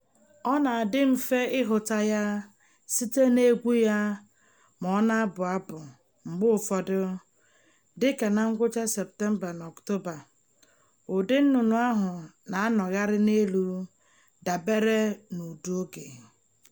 Ọ na-adị mfe ịhụta ya site n'egwu ya ma ọ na-abụ abụ mgbe ụfọdụ dịka na ngwụcha Septemba na Ọktoba. Ụdị nnụnụ ahụ na-anọgharị n'elu dabere n'udu oge.